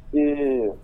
Un